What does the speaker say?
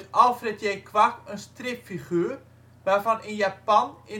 Alfred J. Kwak een stripfiguur, waarvan in Japan